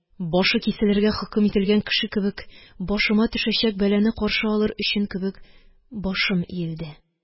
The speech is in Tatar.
Башы киселергә хөкем ителгән кеше кебек, башыма төшәчәк бәлане каршы алыр өчен кебек башым иелде.